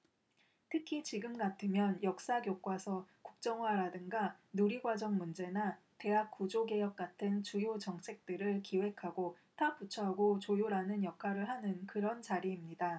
특히 지금 같으면 역사교과서 국정화라든가 누리과정 문제나 대학 구조개혁 같은 주요 정책들을 기획하고 타 부처하고 조율하는 역할을 하는 그런 자리입니다